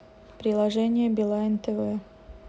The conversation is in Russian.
приложение билайн тв